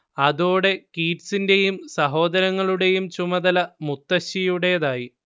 അതോടെ കീറ്റ്സിന്റേയും സഹോദരങ്ങളുടേയും ചുമതല മുത്തശ്ശിയുടേതായി